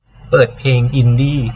เปิดเพลงอินดี้